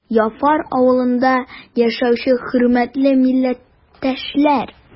Яфар авылында яшәүче хөрмәтле милләттәшләр!